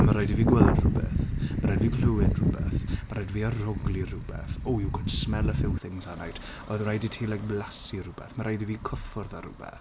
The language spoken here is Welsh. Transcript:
ma' raid i fi gweld rywbeth, ma' raid i fi glywed rywbeth ma' raid i fi arogli rywbeth, oh you could smell a few things that night oedd rraid i ti like blasu rywbeth, ma' raid i fi cyffwrdd â rywbeth